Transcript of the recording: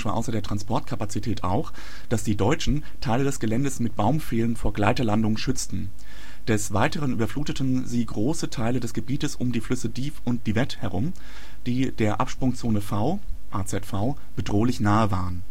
außer der Transportkapazität auch, dass die Deutschen Teile des Geländes mit Baumpfählen vor Gleiterlandungen schützten. Des weiteren überfluteten sie große Teile des Gebietes um die Flüsse Dives und Divette herum, die der Absprungszone V (AZ-V) bedrohlich nahe waren